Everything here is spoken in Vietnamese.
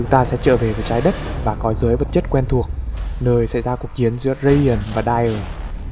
chúng ta trở về với trái đất và cõi giới vật chất thân thuộc nơi xảy ra cuộc chiến giữa radiant và dire